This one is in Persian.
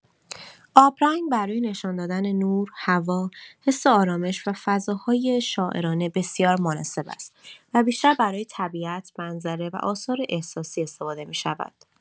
آبرنگ برای نشان‌دادن نور، هوا، حس آرامش و فضاهای شاعرانه بسیار مناسب است و بیشتر برای طبیعت، منظره و آثار احساسی استفاده می‌شود.